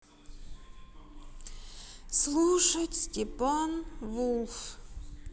слушать степан вулф